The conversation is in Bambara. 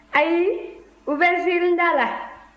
ayi u bɛ nsiirinda la